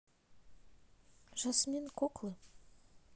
жасмин куклы